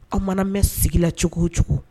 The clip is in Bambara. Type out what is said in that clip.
Aw mana mɛn sigi la cogo cogo